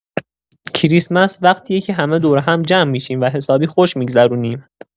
کریسمس وقتیه که همه دور هم جمع می‌شیم و حسابی خوش می‌گذرونیم.